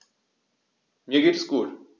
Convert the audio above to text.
Mir geht es gut.